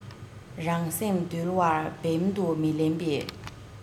རང སེམས འདུལ བ འབེམ དུ མི ལེན པའི